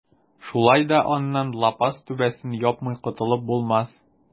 Шулай да аннан лапас түбәсен япмый котылып булмас.